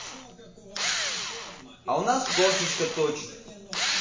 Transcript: а у нас кошечка точит